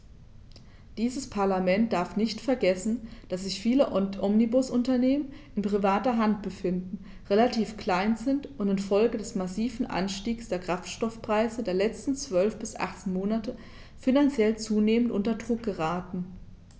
Dieses Parlament darf nicht vergessen, dass sich viele Omnibusunternehmen in privater Hand befinden, relativ klein sind und in Folge des massiven Anstiegs der Kraftstoffpreise der letzten 12 bis 18 Monate finanziell zunehmend unter Druck geraten.